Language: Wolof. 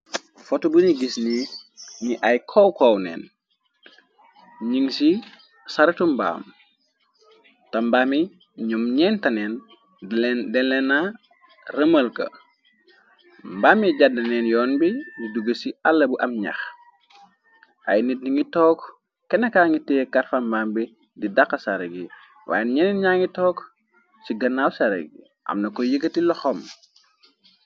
fotu buni gis ni ni ay kow-kowneen ning ci saratu mbaam ta mbaami ñoom ñeentaneen denleena rëmëlka mbami jàdnaneen yoon bi lu duge ci àla bu am ñax ay nit i ngi took kennka ngi tee karfambaam bi di daqa sare gi waayé ñenne ña ngi took ci gannaaw sare gi amna ko yëgati la xom